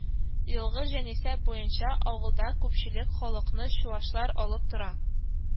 Елгы җанисәп буенча авылда күпчелек халыкны чуашлар алып тора